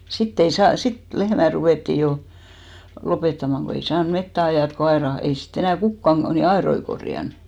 sitten ei saanut sitten lehmät ruvettiin jo lopettamaan kun ei saanut metsään ajaa kun aidat kun ei sitten enää kukaan niin aitoja korjannut